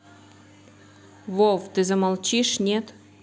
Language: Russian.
вов ты замолчишь нет